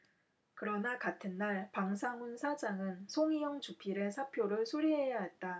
그러나 같은 날 방상훈 사장은 송희영 주필의 사표를 수리해야 했다